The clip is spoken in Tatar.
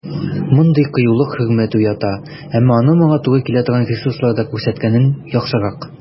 Мондый кыюлык хөрмәт уята, әмма аны моңа туры килә торган ресурсларда күрсәткәнең яхшырак.